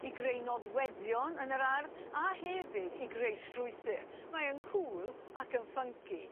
i greu nodweddion yn yr ardd a hefyd i greu strwythur mae yn cŵl ac yn ffynci.